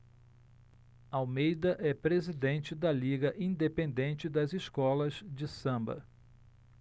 almeida é presidente da liga independente das escolas de samba